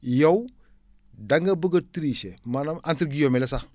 yow da nga bugg a tricher maanaam entre guillemets la sax